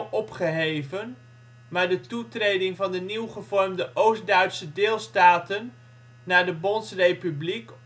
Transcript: opgeheven, maar de toetreding van de nieuw gevormde Oost-Duitse deelstaten naar de Bondsrepubliek